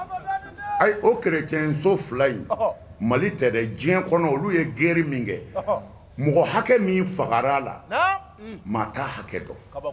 Ayi o kec in so fila in mali tɛ diɲɛ kɔnɔ olu ye g min kɛ mɔgɔ hakɛ min fagara la t ta hakɛ dɔn